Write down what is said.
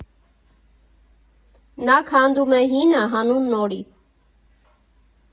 Նա քանդում է հինը հանուն նորի։